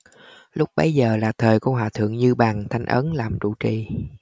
lúc bấy giờ là thời của hòa thượng như bằng thanh ấn làm trụ trì